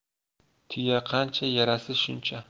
tuya qancha yarasi shuncha